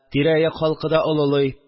Тирә-як халкы да олылый